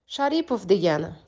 sharipov degani